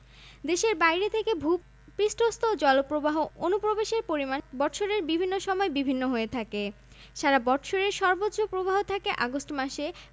প্রায় ১০টি ইজারা অর্থসংস্থান প্রতিষ্ঠান লিজিং কোম্পানিস ডাকঘর সঞ্চয়ী ব্যাংক এবং ডাক বিভাগের জীবন বীমা প্রকল্প দেশের অর্থসংস্থান কাঠামোর অধিকাংশই বাণিজ্যিক ব্যাংক কেন্দ্রিক